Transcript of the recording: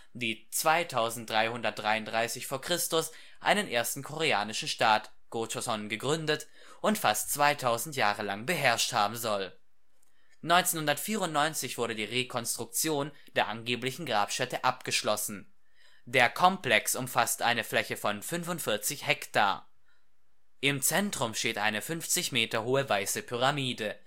die 2333 v. Chr. einen ersten koreanischen Staat (Go-Joseon) gegründet und fast 2000 Jahre lang beherrscht haben soll. 1994 wurde die „ Rekonstruktion “der angeblichen Grabstätte abgeschlossen. Der Komplex umfasst eine Fläche von 45 ha. Im Zentrum steht eine 50 Meter hohe weiße Pyramide